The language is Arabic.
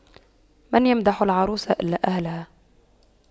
من يمدح العروس إلا أهلها